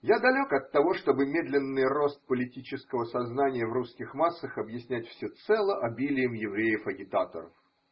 Я далек от того, чтобы медленный рост политического сознания в русских массах объяснять всецело обилием евреев-агитаторов.